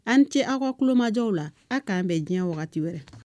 An tɛ aw ka tulomajɔw la a k'an bɛn diɲɛ wagati wɛrɛ